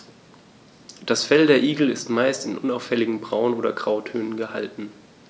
Das Fell der Igel ist meist in unauffälligen Braun- oder Grautönen gehalten.